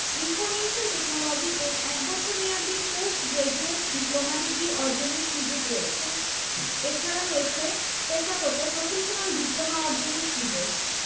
information টেকনোলজিতে এক বছর মেয়াদি পোস্ট গ্রাজুয়েট ডিপ্লোমা ডিগ্রি অর্জনের সুযোগ রয়েছে এছাড়া রয়েছে পেশাগত প্রফেশনাল ডিপ্লোমা অর্জনের সুযোগ